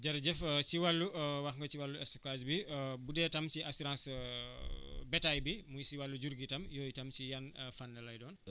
jërëjëf si wàllu wax nga si wàllu stockage bi bu dee tam ci assurance bétail bi muy si wàllu jiw i tam yooyu tam si yan fànn lay doon